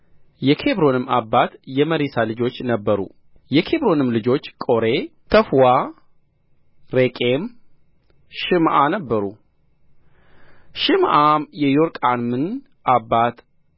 የኬብሮንም አባት የመሪሳ ልጆች ነበሩ የኬብሮንም ልጆች ቆሬ ተፉዋ ሬቄም ሽማዕ ነበሩ ሽማዕም የዮርቅዓምን አባት